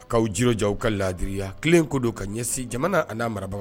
K'aw jiri ja ka la laadiriya kelenlen ko don ka ɲɛsin jamana ani n'a marabagaw